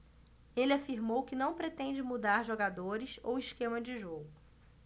ele afirmou que não pretende mudar jogadores ou esquema de jogo